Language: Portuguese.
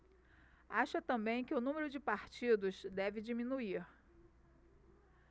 acha também que o número de partidos deve diminuir